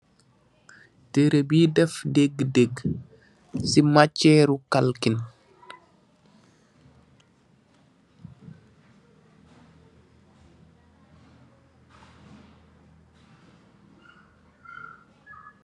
Tereh buy def degeh degeh se macheru kalking.